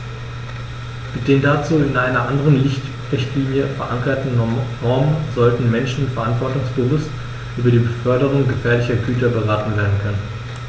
Mit den dazu in einer anderen Richtlinie, verankerten Normen sollten Menschen verantwortungsbewusst über die Beförderung gefährlicher Güter beraten werden können.